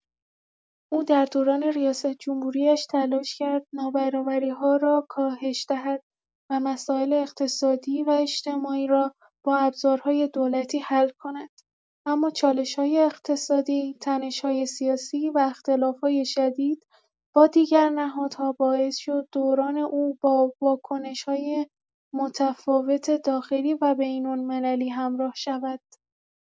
او در دوران ریاست‌جمهوری‌اش تلاش کرد نابرابری‌ها را کاهش دهد و مسائل اقتصادی و اجتماعی را با ابزارهای دولتی حل کند، اما چالش‌های اقتصادی، تنش‌های سیاسی و اختلاف‌های شدید با دیگر نهادها باعث شد دوران او با واکنش‌های متفاوت داخلی و بین‌المللی همراه شود.